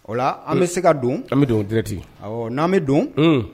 O la an bɛ se ka don an bɛ don direct n'an bɛ don